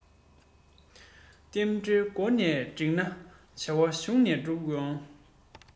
རྟེན འབྲེལ མགོ ནས འགྲིག ན བྱ བ གཞུག ནས འགྲུབ ཡོང